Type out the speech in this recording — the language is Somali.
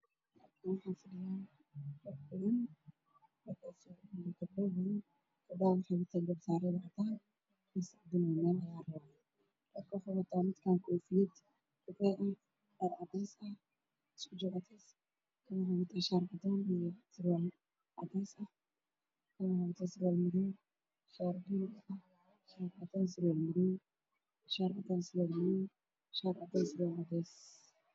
Halkaan waxaa fadhiyo dhalinyaro badan oo meel fadhiyo badanaana waxay qabaan dhar cadaan iyo buluug